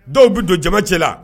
Dɔw bɛ don jama cɛ la